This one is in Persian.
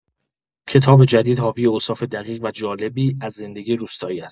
کتاب جدید حاوی اوصاف دقیق و جالبی از زندگی روستایی است.